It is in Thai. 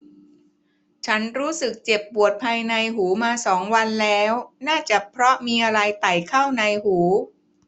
ฉันรู้สึกเจ็บปวดภายในหูมาสองวันแล้วน่าจะเพราะมีอะไรไต่เข้าในหู